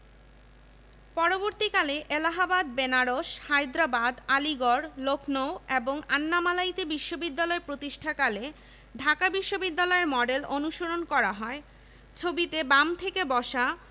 প্রেসিডেন্সির দ্বিতীয় বৃহত্তম শহর ঢাকায় একটি বিশ্ববিদ্যালয় প্রতিষ্ঠার যৌক্তিকতা স্বীকার করা হয় প্রতিবেদনে উল্লেখ করা হয় যে